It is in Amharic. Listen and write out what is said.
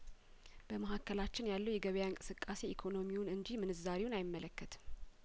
በመሀከላችን ያለው የገበያ እንቅስቃሴ ኢኮኖሚውን እንጂ ምንዛሪውን አይመለከትም